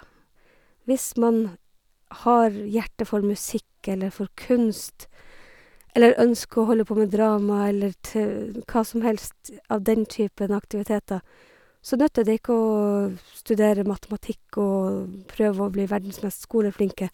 Hvis man har hjerte for musikk eller for kunst, eller ønsker å holde på med drama eller te hva som helst av den typen aktiviteter, så nytter det ikke å studere matematikk og prøve å bli verdens mest skoleflinke.